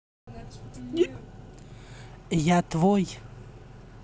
я твой